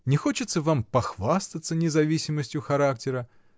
— Не хочется вам похвастаться независимостью характера?